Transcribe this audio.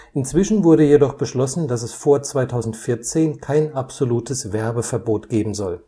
Inzwischen wurde jedoch beschlossen, dass es vor 2014 kein absolutes Werbeverbot geben soll